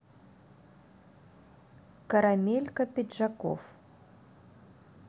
карамелька пиджаков